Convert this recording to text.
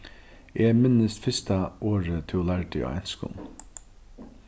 eg minnist fyrsta orðið tú lærdi á enskum